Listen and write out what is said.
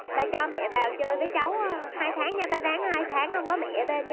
ba cho mẹ vào chơi với cháu hai tháng nha ba ba ráng hai tháng không có mẹ ở bên nha